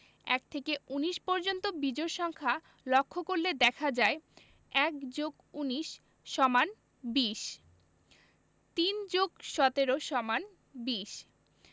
১ থেকে ১৯ পর্যন্ত বিজোড় সংখ্যা লক্ষ করলে দেখা যায় ১+১৯=২০ ৩+১৭=২০